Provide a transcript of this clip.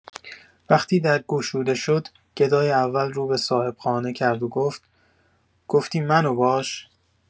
وقتی در گشوده شد، گدای اول رو به صاحبخانه کرد و گفت: گفتی منو باش؟!